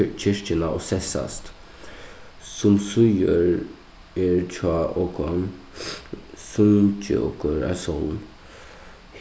kirkjuna og sessast sum er hjá okum sungu okur ein sálm